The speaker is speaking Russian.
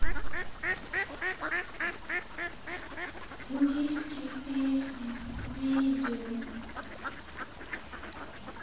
индийские песни видео